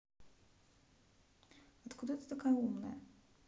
откуда ты такая умная